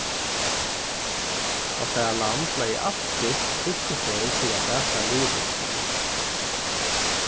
okkara land legði alt stilt fyrstu ferð fyri at basa virusinum